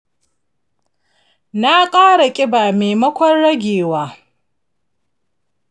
na ƙara ƙiba maimakon ragewa.